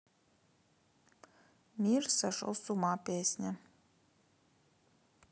мир сошел с ума песня